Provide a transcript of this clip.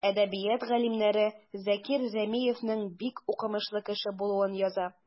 Әдәбият галимнәре Закир Рәмиевнең бик укымышлы кеше булуын яза.